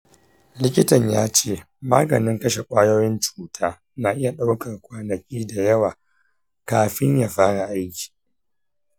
likitan ya ce maganin kashe ƙwayoyin cuta na iya ɗaukar kwanaki da yawa kafin ya fara aiki.